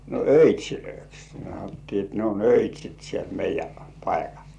no öitseiksi sanottiin että ne on öitsit siellä meidän paikalla